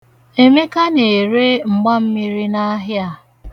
Emeka na-ere mgbammiri n'ahịa a.